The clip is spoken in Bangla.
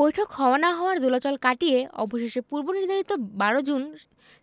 বৈঠক হওয়া না হওয়ার দোলাচল কাটিয়ে অবশেষে পূর্বনির্ধারিত ১২ জুন